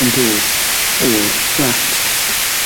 yn dod o'r fflat.